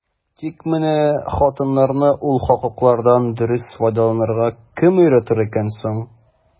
Тик менә хатыннарны ул хокуклардан дөрес файдаланырга кем өйрәтер икән соң?